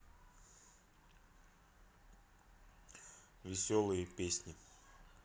веселые песни